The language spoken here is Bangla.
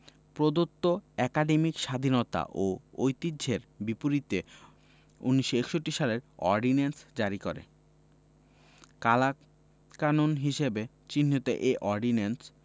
প্রদত্ত একাডেমিক স্বাধীনতা ও ঐতিহ্যের বিপরীতে ১৯৬১ সালের অর্ডিন্যান্স জারি করে কালাকানুন হিসেবে চিহ্নিত এ অর্ডিন্যান্স